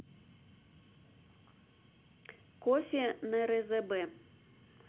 кофе нрзб